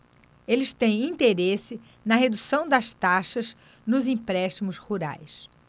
eles têm interesse na redução das taxas nos empréstimos rurais